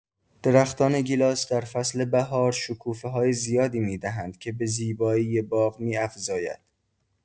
درختان گیلاس در فصل بهار شکوفه‌های زیادی می‌دهند که به زیبایی باغ می‌افزاید.